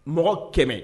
Mɔgɔ 100